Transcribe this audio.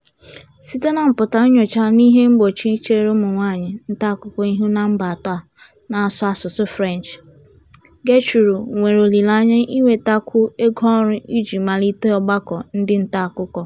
Site na mpụtara nnyocha n'ihe mgbochi chere ụmụnwaanyị ntaakụkọ ihu na mba atọ a na-asụ asụsụ French, Gicheru nwere olileanya iwetakwu egoọrụ iji malite ọgbakọ ndị ntaakụkọ.